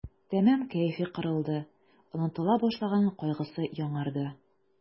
Тәмам кәефе кырылды, онытыла башлаган кайгысы яңарды.